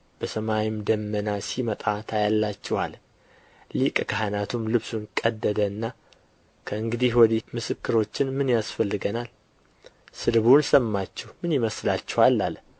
በሰማይም ደመና ሲመጣ ታያላችሁ አለ ሊቀ ካህናቱም ልብሱን ቀደደና ከእንግዲህ ወዲህ ምስክሮችን ምን ያስፈልገናል ስድቡን ሰማችሁ ምን ይመስላችኋል አለ